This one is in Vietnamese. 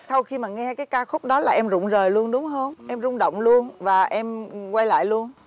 sau khi mà nghe cái ca khúc đó là em rụng rời luôn đúng hông em rung động luôn và em quay lại luôn